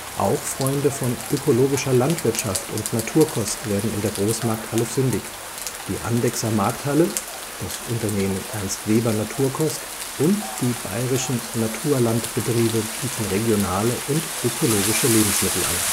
Auch Freunde von Ökologischer Landwirtschaft und Naturkost werden in der Großmarkthalle fündig: die Andechser Markthalle, das Unternehmen Ernst Weber Naturkost und die bayerischen Naturlandbetriebe bieten regionale und ökologische Lebensmittel an